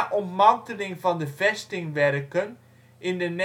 ontmanteling van de vestingwerken in de